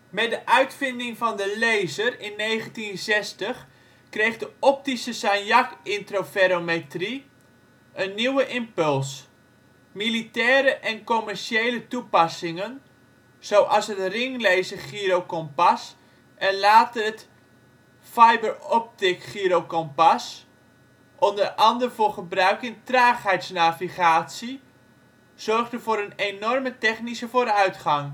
Met de uitvinding van de laser in 1960 kreeg de optische Sagnac-interferometrie een nieuwe impuls. Militaire en commerciële toepassingen - zoals het ringlasergyrokompas en later het fibre optic gyrokompas, onder andere voor gebruik in traagheidsnavigatie - zorgden voor een enorme technische vooruitgang